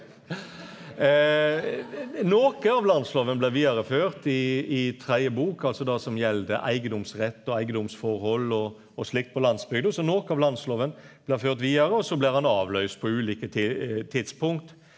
noko av landsloven blei vidareført i i tredje bok altså det som gjeld eigedomsrett og eigedomsforhold og og slikt på landsbygda så noko av landsloven blei ført vidare og så blir han avløyst på ulike tidspunkt.